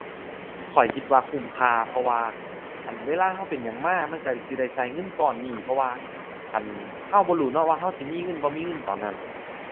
ข้อยคิดว่าคุ้มค่า เพราะว่า อั่น เวลาเราเป็นหยังมามันเราสิได้เราเงินก้อนนี้ เพราะว่า อั่น เราบ่รู้เนาะว่าเราสิมีเงินบ่มีเงินตอนนั้น